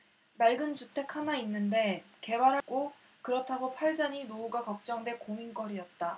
낡은 주택 하나 있는데 개발할 돈은 없고 그렇다고 팔자니 노후가 걱정돼 고민거리였다